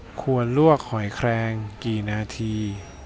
ควรลวกหอยแครงกี่นาที